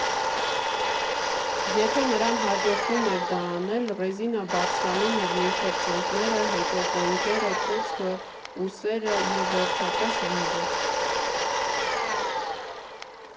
Եթե նրան հաջողվում էր դա անել, ռեզինը բարձրանում էր մինչև ծնկները, հետո՝ կոնքերը, կուրծքը, ուսերը և, վերջապես, վիզը։